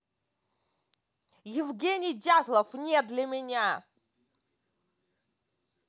евгений дятлов не для меня